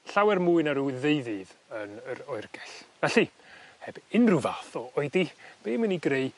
llawer mwy na rw ddeuddydd yn yr oergell. Felly heb unryw fath o oedi fi myn' i greu